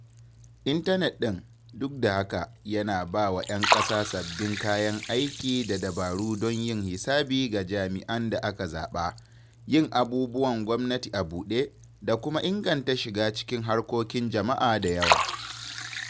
Intanet ɗin, duk da haka, yana bawa ‘yan ƙasa sababbin kayan aiki da dabaru don yin hisabi ga jami’an da aka zaɓa, yin abubuwan gwamnati a buɗe, da kuma inganta shiga cikin harkokin jama’a da yawa.